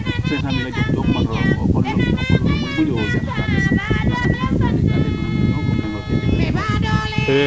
*